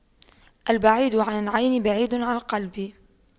البعيد عن العين بعيد عن القلب